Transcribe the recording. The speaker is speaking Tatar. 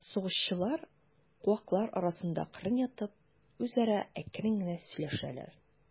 Сугышчылар, куаклар арасында кырын ятып, үзара әкрен генә сөйләшәләр.